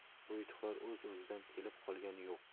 bu yutuqlar o'z o'zidan kelib qolgani yo'q